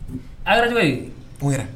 A yɛrɛ tɔgɔ ye pɛ